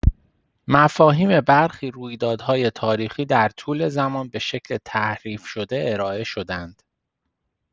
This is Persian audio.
مفاهیم برخی رویدادهای تاریخی در طول زمان به شکل تحریف‌شده ارائه شده‌اند.